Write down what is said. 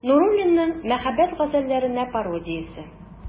Нуруллинның «Мәхәббәт газәлләренә пародия»се.